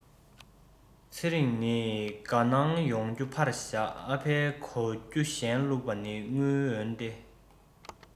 ཚེ རིང ནི དགའ སྣང ཡོང རྒྱུ ཕར བཞག ཨ ཕའི གོ རྒྱུ གཞན བླུག པ ནི དངུལ འོན ཏེ